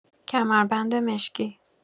کمربند مشکی